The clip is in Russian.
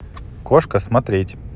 кошка смотреть